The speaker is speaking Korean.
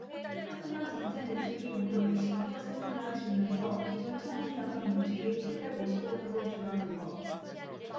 하지만 전체 매출이 무려 이십 오 퍼센트나 줄면서 기존 천 원이었던 매출이 칠백 오십 원으로 줄어든 것